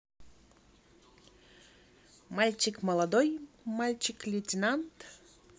мальчик молодой мальчик летинант